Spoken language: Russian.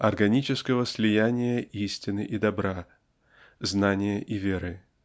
органического слияния истины и добра знания и веры.